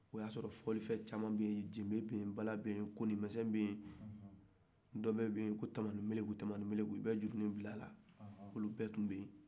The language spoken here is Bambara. o y'a sɔrɔ fɔlifen caaman be ye jenbe be yen bala be yen dɔbɛ bamanin be yen